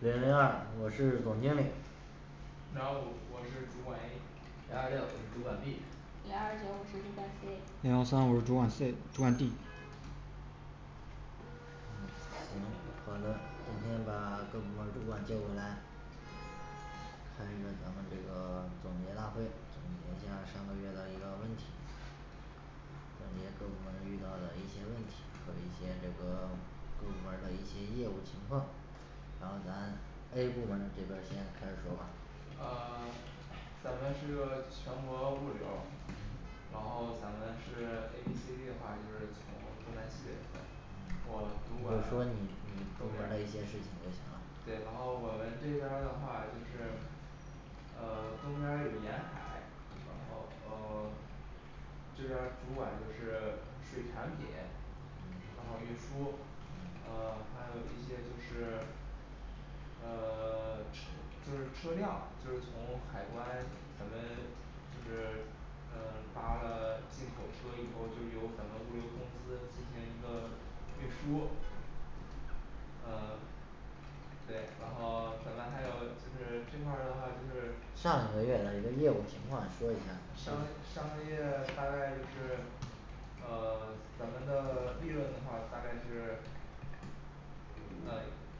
零零二我是总经理零二五我是主管A 零二六我是主管B 零二九我是主管C 零幺三我是主管C主管D 行好的今天把各部门儿主管叫过来开一个咱们这个 总结大会总结一下儿上个月的一个问题总结各部门儿遇到的一些问题和一些这个各部门儿的一些业务情况然后咱A部门儿这边儿先开始说吧嗯 咱们是一个全国物流儿嗯然后咱们是A B C D的话就是从东南西北分我主管就说你你部东门边儿的一儿些事情就行了对然后我们这边儿的话就是呃 东边儿有沿海然后哦 这边儿主管就是水产品嗯然后运输嗯呃 还有一些就是呃 车就是车辆就是从海关咱们就是嗯 拉了进口车以后就是由咱们物流公司进行一个运输呃 对然后咱们还有就是这块儿的话就是上个月的一个业务情况你说一下儿上个月上个月大概就是呃 咱们的利润的话大概是呃嗯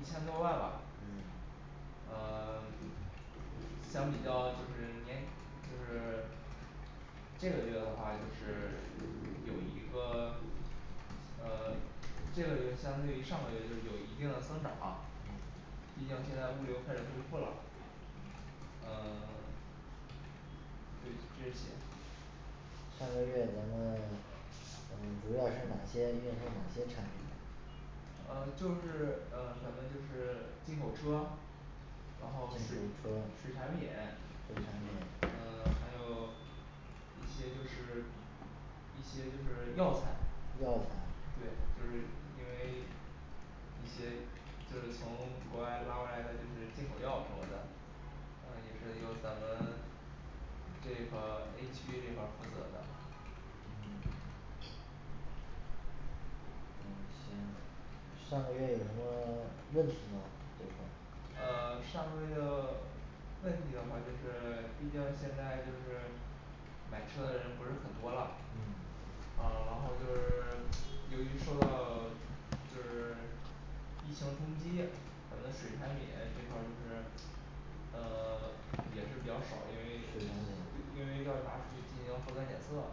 一千多万吧嗯 呃 相比较就是年就是这个月的话就是有一个呃 呃这个月相对于上个月就是有一定的增长毕竟现在物流开始恢复了嗯呃 对这些上个月咱们 嗯主要是哪些运送哪些产品呢呃就是嗯咱们就是进口车然后水进口车水产品水产嗯品 还有一些就是一些就是药材药材对就是因为 一些就是从国外拉过来的就是进口药什么的嗯也是由咱们这个A区这块儿负责的嗯嗯行上个月有什么 问题吗这一块儿呃上个月 问题的话就是 毕竟现在就是买车的人不是很多了嗯呃然后就是 由于受到 就是疫情冲击咱们水产品这块儿就是呃 也是比较少因为水产品嗯因为要拿出去进行核酸检测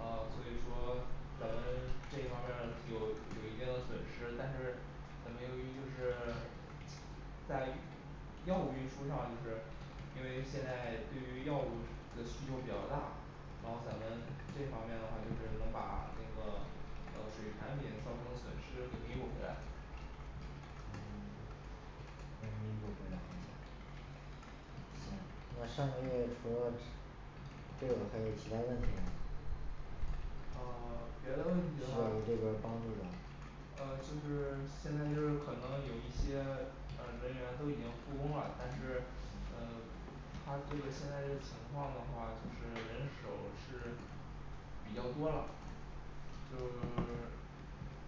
呃所以说咱们这一方面儿有有一定的损失但是咱们由于就是 在药物运输上就是因为现在对于药物的需求比较大然后咱们这一方面的话就是能把那个呃水产品造成的损失给弥补回来。嗯能弥补回来行那上个月除了这个还有其他问题吗？呃 别的问题需的要话我这边儿帮助的呃就是现在就是可能有一些呃人员都已经复工了但是呃嗯 他这个现在这情况的话就是人手是比较多了就是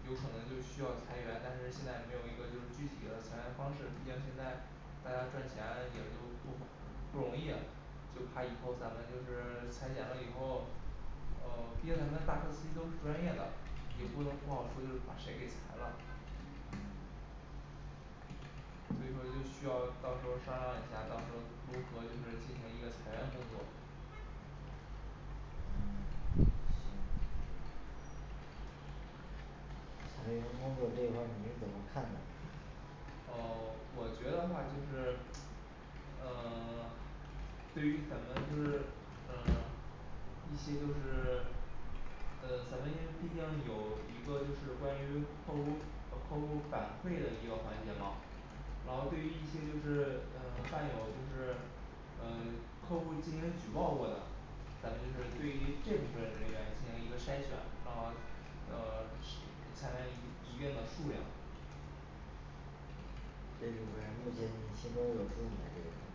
有可能就需要裁员但是现在没有一个就是具体的裁员方式毕竟现在大家赚钱也就不不容易就怕以后咱们就是裁减了以后呃毕竟咱们的大车司机都是专业的也不能不好说就是把谁给裁了嗯 所以说就需要到时候儿商量一下到时候儿如何就是进行一个裁员工作嗯 行裁员工作这一块儿你是怎么看的呃 我觉得话就是呃 对于咱们就是嗯 一些就是 呃咱们因为毕竟有一个就是关于客户儿呃客户儿反馈的一个环节嘛，然后对于一些就是嗯犯有就是呃 客户进行举报过的咱们就是对于这部分人员进行一个筛选，然后呃是裁员一一定的数量。所这部分目前你心中有书没这块儿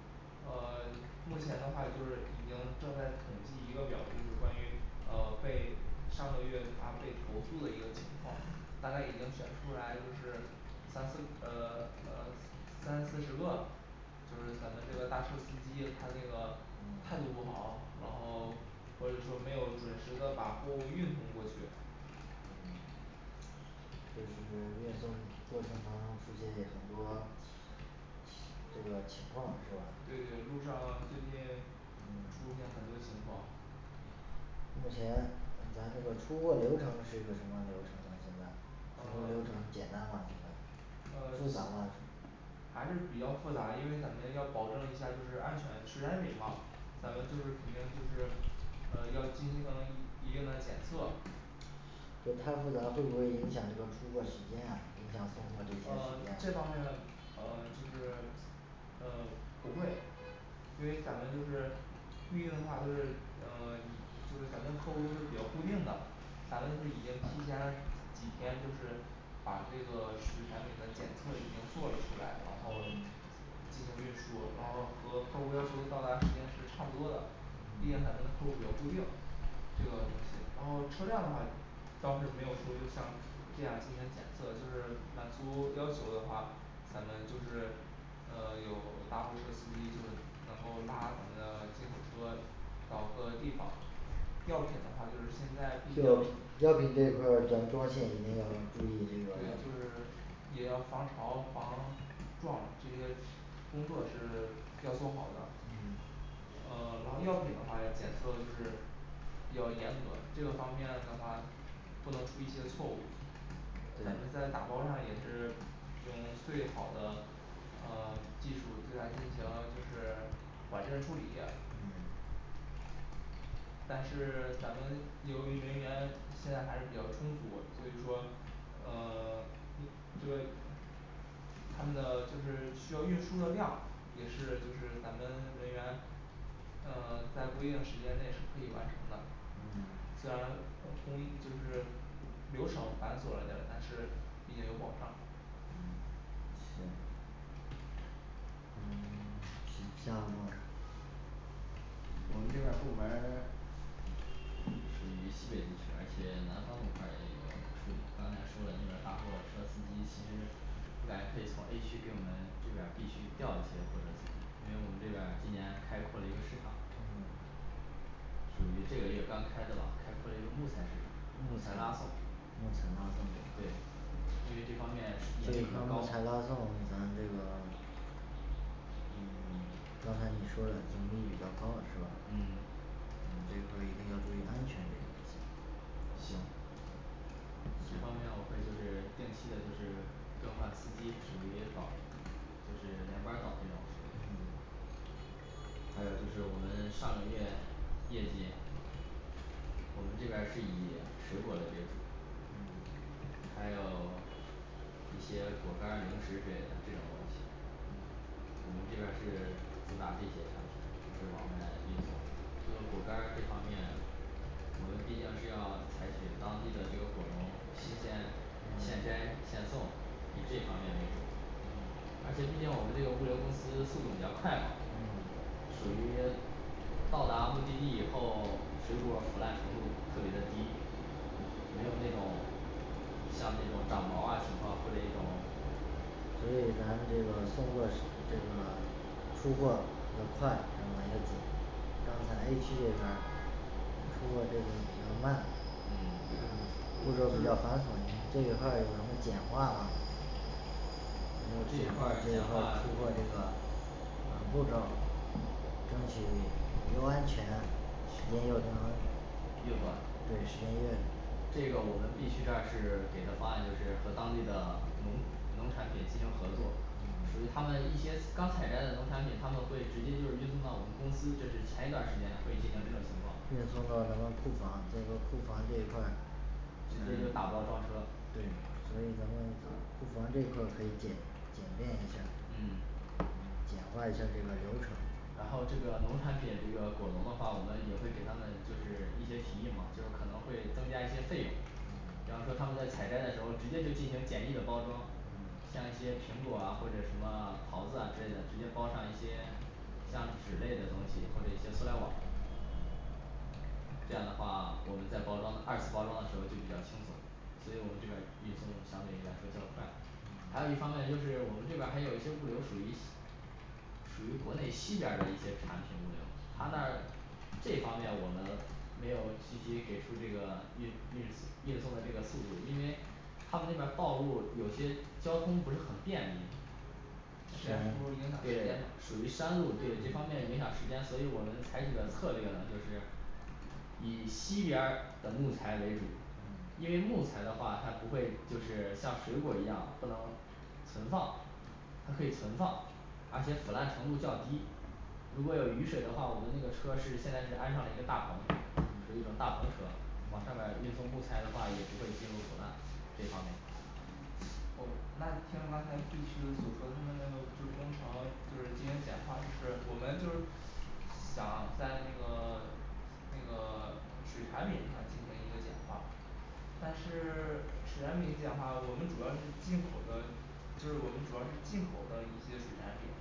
呃目前的话就是已经正在统计一个表儿，就是关于呃被上个月他被投诉的一个情况，大概已经选出来就是三四呃呃三四十个就是咱们这个大车司机他那个态度嗯不好，然后或者说没有准时的把货物运送过去嗯 就是运送过程当中出现很多这个情况是吧对对对路上最近嗯出现很多情况目前咱这个出货流程是一个什么样流程呢现在？工作流程呃 简单吗这个复杂呃吗还是比较复杂因为咱们要保证一下儿就是安全水产品嘛咱们就嗯是肯定就是呃要进行一定的检测对太复杂会不会影响这个出货时间啊影响送货这方面儿呃这时方间啊面儿呃就是呃 不会因为咱们就是预定的话就是呃 以就是咱们的客户儿都是比较固定的咱们是已经提前了几天就是把这个水产品的检测已经做了出来然后进行运输然后和客户要求到达时间是差不多的，嗯毕竟咱们的客户比较固定，这个东西，然后车辆的话，倒是没有说就像这样进行检测就是满足要求的话，咱们就是呃有大货车司机就是能够拉咱们的进口车到各个地方。 药品的话就是现在毕竟药品药品这一块儿咱们装卸一定要注意这对就是个也要防潮防撞这些工作是要做好的。嗯呃 然后药品的话检测就是比较严格，这个方面的话不能出一些错误。咱们在打包上也是用最好的呃 技术对它进行就是管件儿处理嗯但是咱们由于人员现在还是比较充足，所以说呃 你 这个他们的就是需要运输的量，也是就是咱们人员嗯 在规定时间内是可以完成的。嗯 虽然呃工就是流程繁琐了点儿，但是毕竟有保障嗯行嗯 行下个部门儿我们这边儿部门儿属于西北地区，而且南方那块儿也有处理，刚才说了那边儿大货车司机其实我感觉可以从A区给我们这边儿B区调一些货车司机，因为我们这边儿今年开扩了一个市场嗯属于这个月刚开的吧，开扩了一个木材市场，木嗯材拉送木材拉送对因为这方面是木盈利比较高材拉送咱这个嗯嗯刚才你说的盈利比较高是吧嗯嗯这一块儿一定要注意安全行这方面我会就是定期的就是更换司机属于倒就是两班儿倒这种属嗯于嗯还有就是我们上个月业绩，我们这边儿是以水果类为主，嗯还有一些果干儿零食之类的这种东西我们这边儿是主打这些产品，就是往外运送，这个果干儿这方面，我们毕竟是要采取当地的这个果农新鲜现摘现送，以这方面为主而且毕竟我们这个物流儿公司速度比较快嗯属于到达目的地以后水果儿腐烂程度特别的低没有那种像那种长毛啊情况或者一种所以咱们这个送货这个出货比较快知道吗要紧刚才A区这边儿出货这个比较慢，嗯对我步们就骤比较繁琐是这一块儿有什么简化吗我这一块儿简化出货这个步骤儿争取又安全时间又能又短对时间又短这个我们B区这儿是给的方案就是和当地的农农产品进行合作属于他们一些刚采摘的农产品他们会直接就是运送到我们公司这是前一段儿时间会进行这种情况运送到咱们库房所以说库房这一块儿直接就打包装车嗯库房这块儿可以简简便一下儿嗯嗯简化一下儿这个流程然后这个农产品这个果农的话我们也会给他们就是一些提议嘛就是可能会增加一些费用嗯比方说他们在采摘的时候直接就进行简易的包装嗯像一些苹果啊或者什么桃子啊之类的直接包上一些像纸类的东西或者一些塑料网嗯这样的话我们在包装的二次包装的时候就比较轻松，所以我们这边儿运送相对于来说较快还有一方面就是我们这边儿还有一些物流属于属于国内西边儿的一些产品物流他那儿这方面我们没有具体给出这个运运运送的这个速度，因为他们那边儿道路有些交通不是很便利这样而速度影响且时间对嘛属于山路对这方面影响时间所以我们采取的策略呢就是以西边儿的木材为主因为木材的话它不会就是像水果儿一样不能存放它可以存放而且腐烂程度较低如果有雨水的话我们那个车是现在是安上了一个大蓬属于一种大篷车往上边儿运送木材的话也不会进入腐烂这方面好那听刚才B区所说他们那个就是工程就是进行简化就是我们就是想 在那个 那个 水产品上进行一个简化但是 水产品简化我们主要是进口的就是我们主要是进口的一些水产品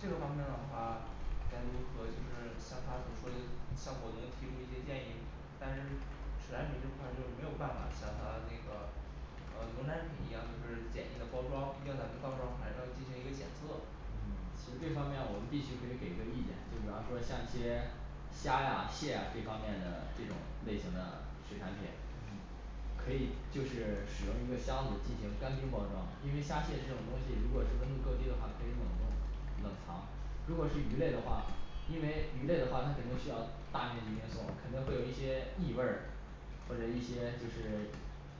这个方面儿的话该如何就是像他所说的就向果农提出一些建议但是水产品这块儿就是没有办法像他那个呃农产品一样，就是简易的包装毕竟咱们到时候儿还要进行一个检测嗯 其实这方面我们B区可以给一个意见，就比方说像一些虾呀蟹啊这方面的这种类型的水产品嗯可以就是使用一个箱子进行干冰包装，因为虾蟹这种东西如果是温度够低的话可以冷冻冷藏如果是鱼类的话因为鱼类的话，它肯定需要大面积运送，肯定会有一些异味儿，或者一些就是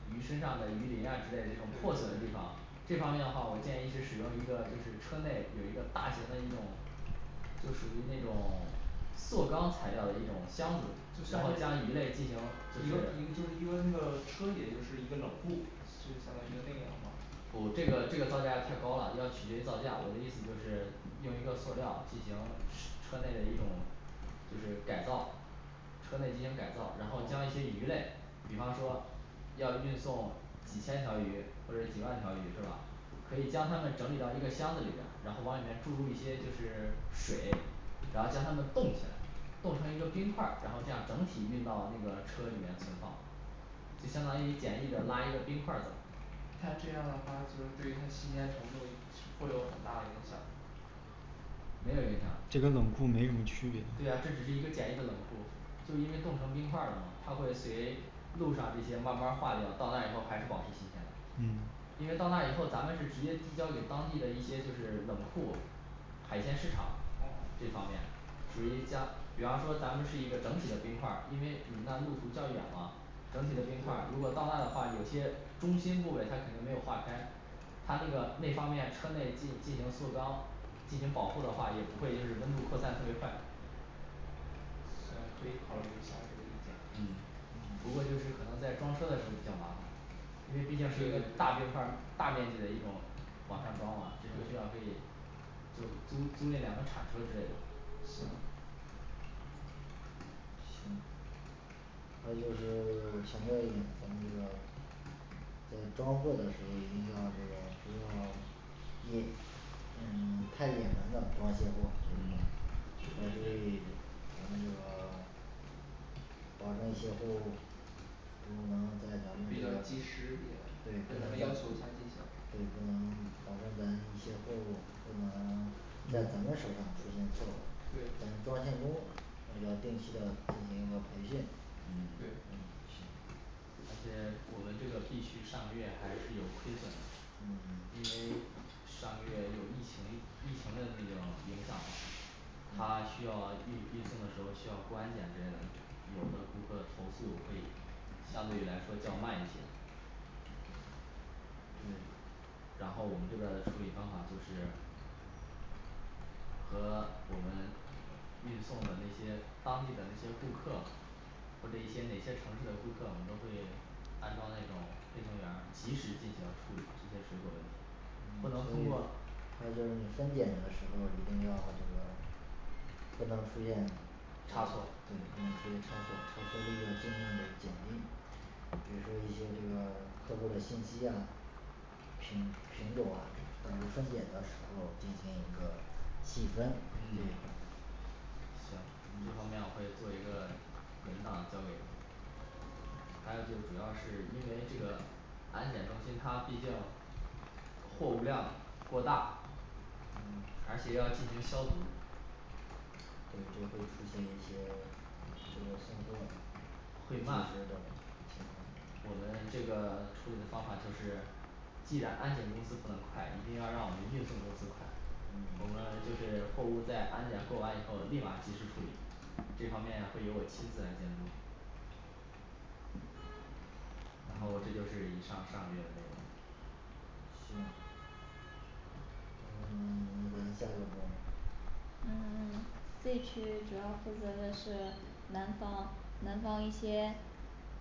鱼身上的鱼鳞啊之类这种破对损的地对方，这方面的话我建议是使用一个就是车内有一个大型的一种就属于那种塑钢材料的一种箱子就相然后当将于鱼一个类进一行个就就是是一个那个车也就是一个冷库就是相当于一个那样的吗不这个这个造价要太高了要取决于造价我的意思就是用一个塑料进行车车内的一种就是改造车内进行改造，然后将一些鱼类，比方说要运送几千条鱼或者几万条鱼是吧可以将它们整理到一个箱子里边儿，然后往里边儿注入一些就是水，然后将它们冻起来冻成一个冰块儿，然后这样整体运到那个车里面存放，就相当于简易的拉一个冰块儿走它这样的话就是对于它新鲜程度会有很大的影响没有影响这跟冷库没什么区别对呀这只是一个简易的冷库就因为冻成冰块儿了嘛它会随路上这些慢儿慢儿化掉到那儿以后还是保持新鲜嗯因为到那儿以后咱们是直接递交给当地的一些就是冷库海鲜市场啊这一方面属于将比方说咱们是一个整体的冰块儿因为你们那儿路途较远嘛整体的冰块儿如对果到那儿的话有些中心部位它肯定没有化开它那个那方面车内进进行塑钢进行保护的话，也不会就是温度扩散特别快。行可以考虑一下这个意见嗯不过就是可能在装车的时候比较麻烦因为毕竟对是一个大冰对块儿大面积的一种往上装嘛这种需要对可以就租租赁两个铲车之类的行行还有就是 我强调一点咱们这个在装货的时候一定要这个不要野嗯 太野蛮的装卸货这一块儿嗯咱们这个保证一些货物都能在咱比这较及儿时也对对不咱的能咱要求对不能保证咱一些货物不能在咱们手上出现错误对咱装卸工要定期的进行一个培训嗯对嗯行而且我们这个B区上个月还是有亏损的嗯 因为上个月有疫情疫情的那个影响嘛他需要运运送的时候需要过安检之类的有的顾客投诉会相对于来说较慢一些嗯然后我们这边儿的处理方法就是和我们运送的那些当地的那些顾客或者一些哪些城市的顾客我们都会安装那种配送员儿及时进行处理这些水果儿问题不能通过嗯还有就是你分捡的时候儿一定要这个不能出现差对错不能出现差错差错率要尽量的减低比如说一些这个客户的信息呀品品种啊这到时候分捡的时候进行一个细分嗯行这方面嗯我会做一个文档交给你还有就主要是因为这个安检中心它毕竟货物量过大嗯而且要进行消毒对就会出现一些这个送货会慢这种嗯我们这个处理的方法就是既然安检公司不能快一定要让我们运送公司快我嗯们就是货物在安检过完以后立马儿及时处理这方面会由我亲自来监督然后这就是以上上个月的内容行嗯 那咱下个部门儿嗯 C区主要负责的是南方南方一些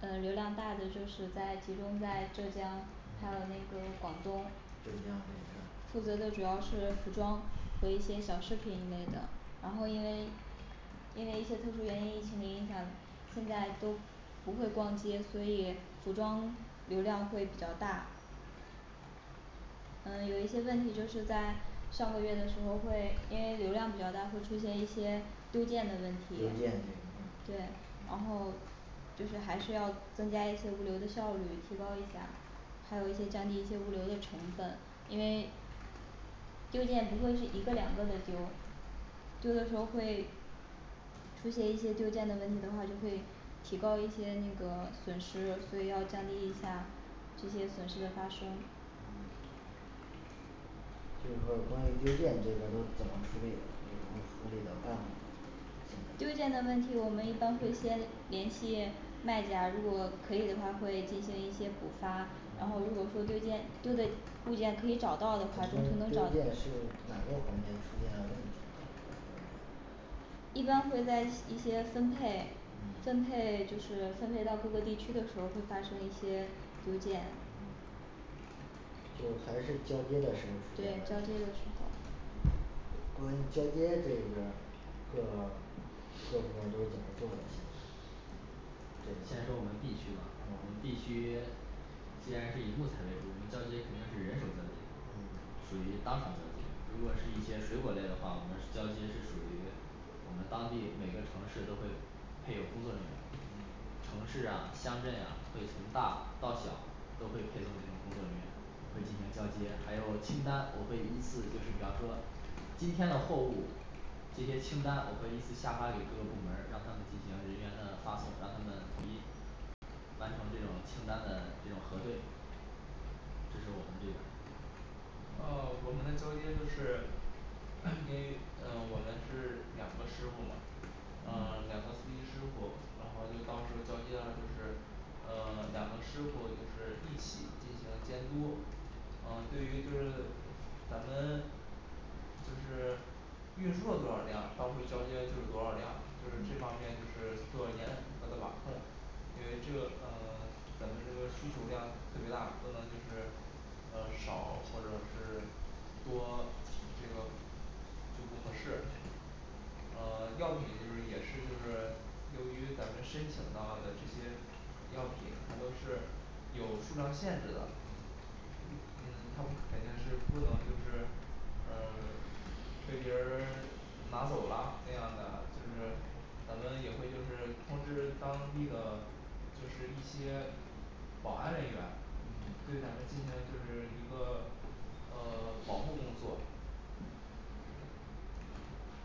呃流量大的就是在集中在浙江还有那嗯个广东浙江这一片儿负责的主要是服装和一些小饰品一类的然后因为因为一些特殊原因疫情的影响现在都不会逛街所以服装流量会比较大嗯有一些问题就是在上个月的时候会因为流量比较大会出现一些丢件的问题丢件这对一块儿然后就是还是要增加一些物流的效率提高一下还有一些降低一些物流的成本因为丢件不会是一个两个的丢就是说会出现一些丢件的问题的话就会提高一些那个损失所以要降低一下这些损失的发生嗯就是说关于丢件这边儿都怎么处理的有什么合理的办法没丢有现在件的问题我们一般会先联系卖家如果可以的话会进行一些补发然后如果说嗯丢件丢的丢件可以找到的话行就是丢能件找是哪个环节出现了问题这方面一般会在一一些分配分嗯嗯配就是分配到各个地区的时候会发生一些丢件嗯对交接的时候关于交接这边儿各各部门儿都怎么做的先说我们B区吧我们嗯 B 区虽然是以木材为主我们交接肯定是人手交接嗯属于当场交接，如果是一些水果类的话我们交接是属于我们当地每个城市都会配有工作人员嗯城市呀乡镇呀会从大到小都会配送这种工作人员会进行交接还有清单我会依次就是比方说今天的货物这些清单我会依次下发给各个部门儿让他们进行人员的发送让他们统一完成这种清单的这种核对这是我们这边儿那我们的交接就是 因为呃我们是两个师傅嘛嗯嗯两个司机师傅然后就到时候儿交接了就是呃两个师傅就是一起进行监督呃对于就是咱们就是运输了多少量到时候交接就是多少量就是这方面就是做了严格的把控因为这嗯咱们这个需求量特别大不可能就是呃少或者是多这个就不合适嗯 药品就是也是就是由于咱们申请到的这些药品它都是有数量限制的嗯嗯它肯定是不能就是嗯 被别人儿拿走了那样的就是咱们也会就是通知当地的就是一些保安人员嗯对咱们进行就是一个呃 保护工作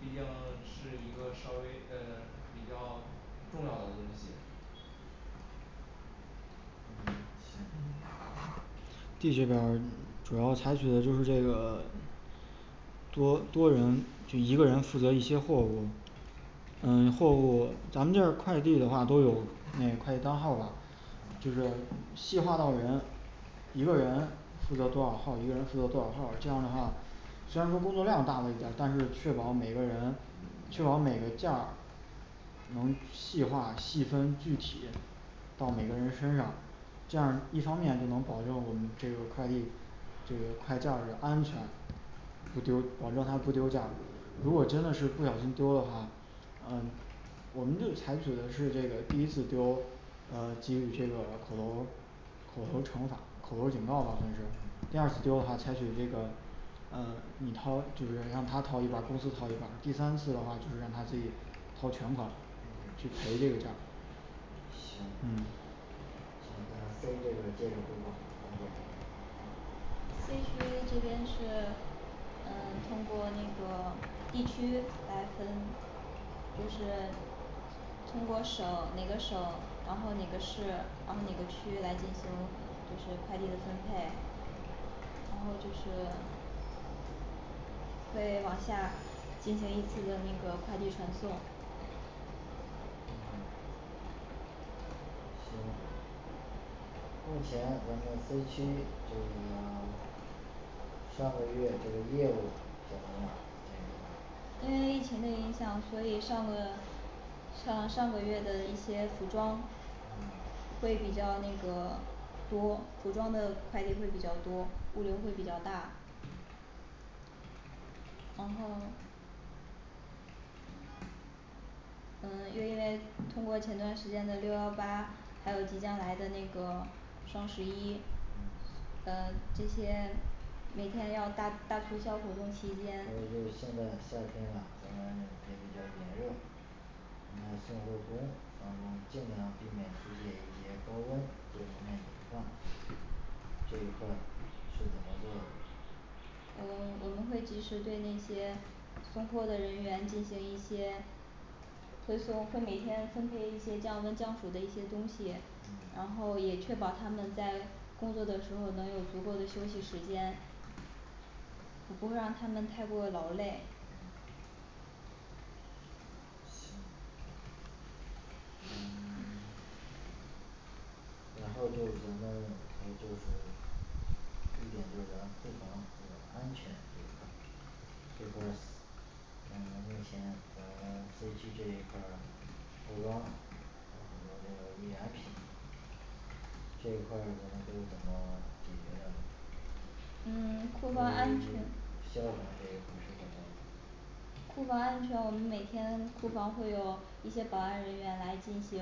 毕竟 是一个稍微呃比较重要的东西嗯行 D区这边儿主要采取的就是这个多多人就一个人负责一些货物嗯货物咱们这儿快递的话都有那快递单号儿吧就是细化到人一个人负责多少号儿一个人负责多少号儿这样的话虽然说工作量大了一点儿但是确保每个人确嗯保每个件儿能细化细分具体到每个人身上这样儿一方面就能保证我们这个快递这个快件儿的安全不丢保证它不丢件儿如果真的是不小心丢了的话呃我们就采取的是这个第一次丢呃给予这个口头儿口头儿惩罚口头儿警告吧算是第二次丢的话采取这个呃你掏就是让他掏一半儿公司掏一半儿第三次的话就是让他自己掏全款行行嗯那C这边儿接着汇报嗯 C区这边是嗯通过那个地区来分就是通过省哪个省然后哪个市然后哪个区来进行就是快递的分配然后就是会往下进行一次的那个快递传送嗯行目前我们C区这个上个月这个业务怎么样就这个因为疫情的影响所以上个上上个月的一些服装嗯会比较那个多服装的快递会比较多物流会比较大然后呃又因为通过前段时间的六幺八还有即将来的那个双十一嗯呃这些每天要大大促销活动期还间有就是现在夏天啦咱们也比较炎热在送货工当中尽量避免出现一些高温这方面隐患这一块儿是怎么做的我我们会及时对那些送货的人员进行一些会送会每天分配一些降温降暑的一些东西然后嗯也确保他们在工作的时候能有足够的休息时间我不会让他们太过的劳累嗯行嗯 然后就是咱们这就是避免就咱库房这个安全这块儿这块儿嗯目前咱C区这一块儿服装有很多这个易燃品这一块儿你们都怎么解决的呢嗯 库房对安全于消防这一块儿是怎么库房安全我们每天库房会有一些保安人员来进行